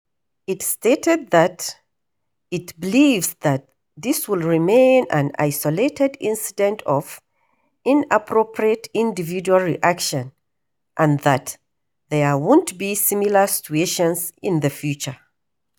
It stated that it "believes that this would remain an isolated incident of inappropriate individual reaction and that there won't be similar situations in the future".